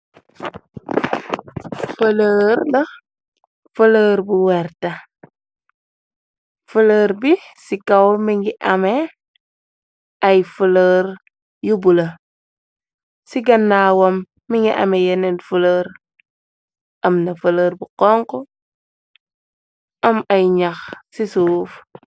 feler la feler bu werta felër bi ci kaw mi ngi amé ay fëlër yu bula ci gannawam mi ngi amé yenet felër am na felër bu konku am ay ñax ci suuf.